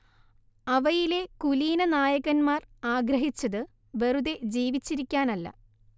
അവയിലെ കുലീനനായകന്മാർ ആഗ്രഹിച്ചത് വെറുതേ ജീവിച്ചിരിക്കാനല്ല